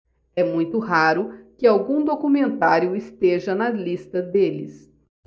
é muito raro que algum documentário esteja na lista deles